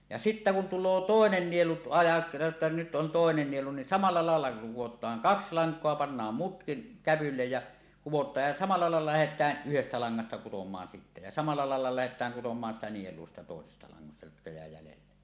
ja sitten kun tulee toinen nielu - että nyt on toinen nielu niin samalla lailla kudotaan kaksi lankaa pannaan muutkin kävylle ja kudotaan ja samalla lailla lähdetään yhdestä langasta kutomaan sitten ja samalla lailla lähdetään kutomaan sitä nielua siitä toisesta langasta jotka jää jäljelle